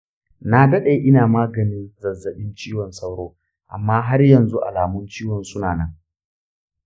na daɗe ina maganin zazzabin cizon sauro amma har yanzu alamun ciwon suna nan.